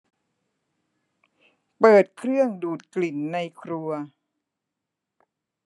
เปิดเครื่องดูดกลิ่นในครัว